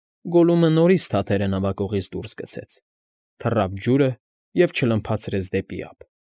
Գոլլումը նորից թաթերը նավակողից դուրս գցեց, թռավ ջուրը և ճլմփացրեց դեպի ափ։